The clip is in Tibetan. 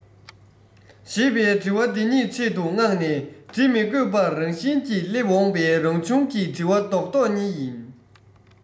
ཞེས པའི འདྲི བ འདི གཉིས ཆེད དུ མངགས ནས འདྲི མི དགོས པར རང བཞིན གྱིས སླེབས འོང བའི རང བྱུང གི འདྲི བ རྡོག རྡོག གཉིས ཡིན